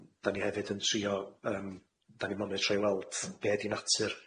Yym. 'Da ni' hefyd yn trio yym da ni'n monitro i weld be' ydi natur